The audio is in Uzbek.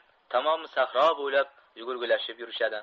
tamomi sahro bo'ylab yugurgilashib yurishadi